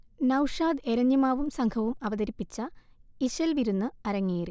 നൗഷാദ് എരഞ്ഞിമാവും സംഘവും അവതരിപ്പിച്ച ഇശൽവിരുന്ന് അരങ്ങേറി